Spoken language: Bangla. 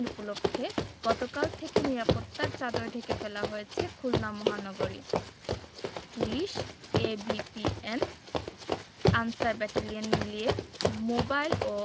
নির্বাচন উপলক্ষে গতকাল থেকে নিরাপত্তার চাদরে ঢেকে ফেলা হয়েছে খুলনা মহানগরী পুলিশ এবিপিএন আনসার ব্যাটালিয়ন মিলিয়ে